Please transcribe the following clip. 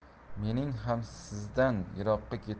mening ham sizdan yiroqqa